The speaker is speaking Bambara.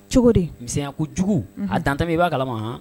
Chocodi ? misɛya kojugu, a dantɛmɛn i b'a kalama han.